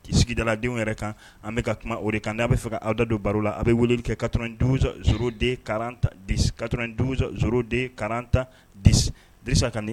K'i sigidaladenw yɛrɛ kan an bɛka ka kuma o de kan n di a b bɛ fɛ awda don baro la a bɛ weelelu kɛ katz kazo de karan tan di disa kan